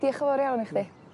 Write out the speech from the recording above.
...dio'ch yn fawr iawn i chdi.